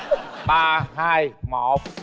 ba hai một